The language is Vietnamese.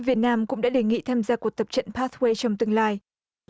việt nam cũng đã đề nghị tham gia cuộc tập trận pát thuê trong tương lai